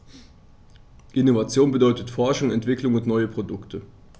Innovation bedeutet Forschung, Entwicklung und neue Produkte.